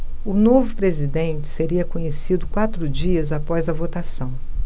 o novo presidente seria conhecido quatro dias após a votação